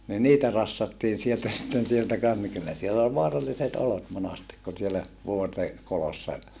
niin niitä rassattiin sieltä sitten sieltä kanssa niin kyllä siellä oli vaaralliset olot monasti kun siellä vuorten kolossa